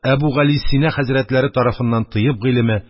Әбүгалисина хәзрәтләре тарафыннан тыйб гыйльме,